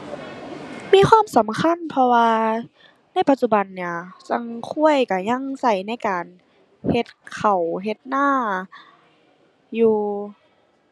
มีความสำคัญ เพราะว่าในปัจจุบันเนี่ย จั่งควายก็ยังก็ในการเฮ็ดข้าว เฮ็ดนาอยู่